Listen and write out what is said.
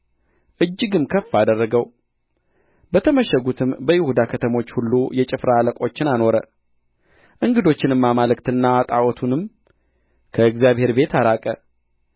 እጅግም ከፍ አደረገው በተመሸጉትም በይሁዳ ከተሞች ሁሉ የጭፍራ አለቆችን አኖረ እንግዶችንም አማልክትና ጣዖቱንም ከእግዚአብሔር ቤት አራቀ